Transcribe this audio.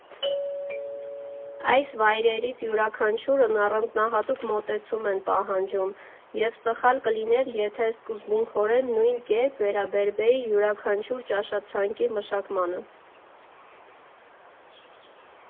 Այս վայրերից յուրաքանչյուրն առանձնահատուկ մոտեցում էր պահանջում, և սխալ կլիներ, եթե սկզբունքորեն նույն կերպ վերաբերվեի յուրաքանչյուրի ճաշացանկի մշակմանը։